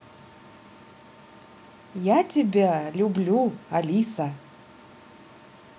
я тебя люблю алиса